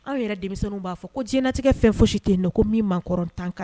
Anw yɛrɛ denmisɛnninw b'a fɔ ko jtigɛ fɛn fo si ten yen nɔ ko min manɔrɔn tan kan